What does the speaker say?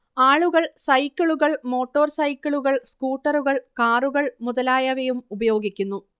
ആളുകൾ സൈക്കിളുകൾ മോട്ടോർ സൈക്കിളുകൾ സ്കൂട്ടറുകൾ കാറുകൾ മുതലായവയും ഉപയോഗിക്കുന്നു